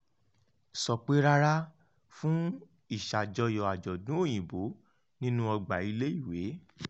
3. Sọ pé rárá fún ìṣàjọyọ̀ àjọ̀dún Òyìnbó nínú ọgbà ilé-ìwé.